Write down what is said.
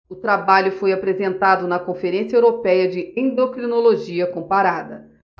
o trabalho foi apresentado na conferência européia de endocrinologia comparada